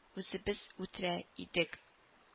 Үзебез үтерә идек